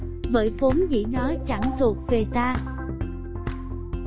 bởi vốn dĩ nó chẳng thuộc về ta